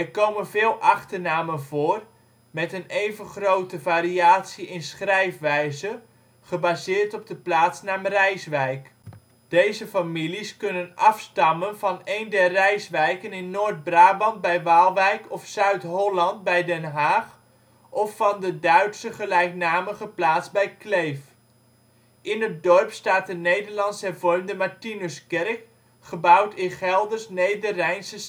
komen veel achternamen voor, met een evengrote variatie in schrijfwijze, gebaseerd op de plaatsnaam Rijswijk. Deze families kunnen afstammen van een der Rijswijken in Noord-Brabant bij Waalwijk of Zuid-Holland bij Den Haag of van de Duitse gelijknamige plaats bij Kleef. In het dorp staat de Nederlands-hervormde Martinuskerk gebouwd in Gelders-Nederrijnse